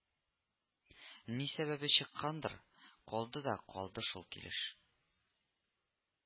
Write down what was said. Ни сәбәбе чыккандыр, калды да калды шул килеш